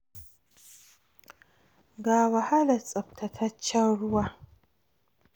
Ga wahala tsabtataccen Ruwa.”